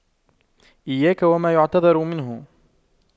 إياك وما يعتذر منه